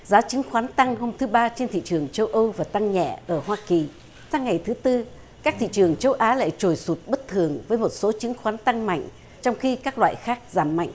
giá chứng khoán tăng hôm thứ ba trên thị trường châu âu và tăng nhẹ ở hoa kỳ sang ngày thứ tư các thị trường châu á lại trồi sụt bất thường với một số chứng khoán tăng mạnh trong khi các loại khác giảm mạnh